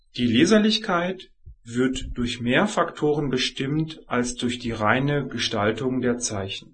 Die Leserlichkeit wird durch mehr Faktoren bestimmt, als durch die reine Gestaltung der Zeichen